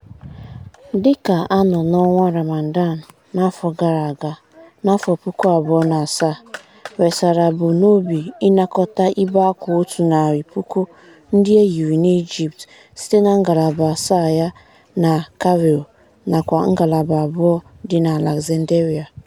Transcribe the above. Dịka a nọ n'ọnwa Ramadan n'afọ gara aga (n'afọ puku abụọ na asaa), Resala bu n'obi ịnakọta ibé akwa otu narị puku ndị e yiri na Egypt site na ngalaba asaa ya na Cairo nakwa ngalaba abụọ dị n'Alexandria.